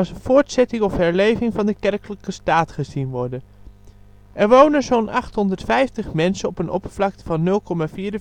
voortzetting of herleving van de Kerkelijke Staat gezien worden. Er wonen zo 'n 850 mensen op een oppervlakte van 0,44 km², maar er